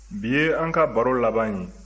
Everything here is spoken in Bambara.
jigi bi ye an ka baro laban ye